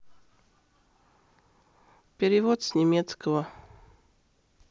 перевод с немецкого